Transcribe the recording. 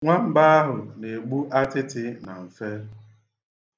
Nwamba ahụ na-egbu atiti na mfe.